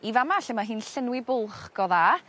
i fa' 'ma lle ma' hi'n llenwi bwlch go dda